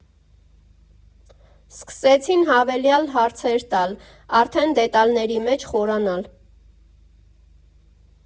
Սկսեցին հավելյալ հարցեր տալ, արդեն դետալների մեջ խորանալ։